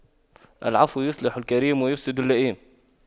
العفو يصلح الكريم ويفسد اللئيم